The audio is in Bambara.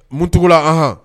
Muntugula ɔhɔn